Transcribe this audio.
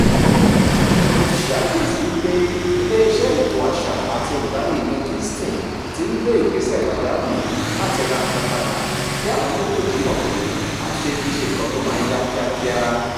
Mo ti ṣe àkíyèsí wípé Iléeṣẹ́ Ètò Àṣà àti Olùdarí ìlúu Kingston ti ń gbé ìgbésẹ̀ẹ pàjáwìrì láti ra nǹkan padà. Kí àwọn méjèèjì mọ̀ pé àtúnṣe kì í ṣe nǹkan tó ma yá kíákíá.